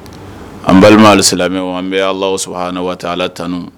An balima alisilamɛw an bɛ Alahu subahanahuwataala tanu